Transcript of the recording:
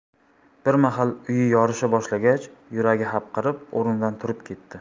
bir mahal uyi yorisha boshlagach yuragi hapriqib o'rnidan turib ketdi